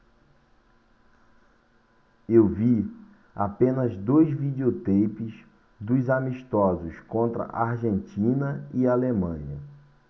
eu vi apenas dois videoteipes dos amistosos contra argentina e alemanha